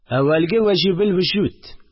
Әүвәлге ваҗибелвөҗүд